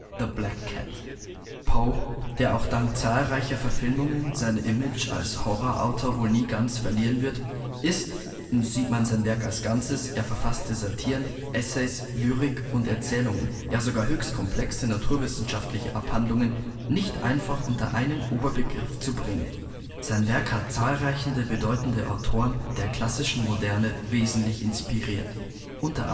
The Black Cat). Poe, der – auch dank zahlreicher Verfilmungen – sein Image als „ Horrorautor “wohl nie ganz verlieren wird, ist, sieht man sein Werk als Ganzes – er verfasste Satiren, Essays, Lyrik und Erzählungen, ja sogar höchst komplexe naturwissenschaftliche Abhandlungen – nicht einfach unter einen Oberbegriff zu bringen. Sein Werk hat zahlreiche bedeutende Autoren der klassischen Moderne wesentlich inspiriert, u. a.